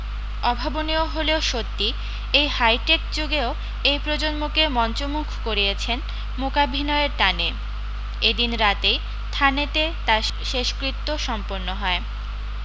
অভাবনীয় হলেও সত্যি এই হাইটেক যুগেও এই প্রজন্মকেও মঞ্চমুখ করিয়েছেন মূকাভিনয়ের টানে এ দিন রাতেই থানেতে তার শেষকৃত্য সম্পন্ন হয়